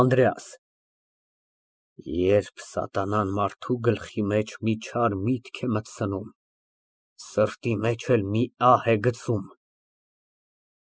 ԱՆԴՐԵԱՍ ֊ Երբ սատանան մարդու գլխի մեջ մի չար միտք է մտցնում, սրտի մեջ էլ մի ահ է գցում։